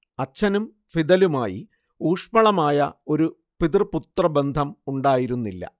അച്ഛനും ഫിദലുമായി ഊഷ്മളമായ ഒരു പിതൃ പുത്രബന്ധം ഉണ്ടായിരുന്നില്ല